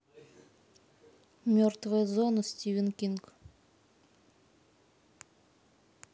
мертвая зона стивен кинг